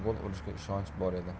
gol urishiga ishonch bor edi